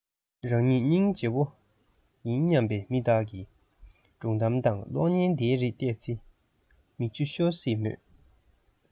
རང ཉིད སྙིང རྗེ བོ ཡིན སྙམ པའི མི དག གིས སྒྲུང གཏམ དང གློག བརྙན འདི རིགས བལྟས ཚེ མིག ཆུ ཤོར སྲིད མོད